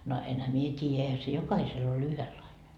no enhän minä tiedä eihän se jokaisella ole yhdenlainen